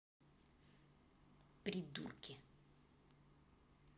придурки